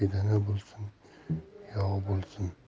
bedana bo'lsin yog' bo'lsin